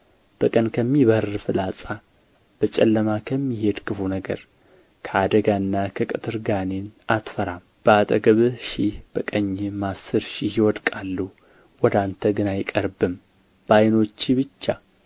በቀን ከሚበርር ፍላጻ በጨለማ ከሚሄድ ክፉ ነገር ከአደጋና ከቀትር ጋኔን አትፈራም በአጠገብህ ሺህ በቀኝህም አሥር ሺህ ይወድቃሉ ወደ አንተ ግን አይቀርብም በዓይኖችህ ብቻ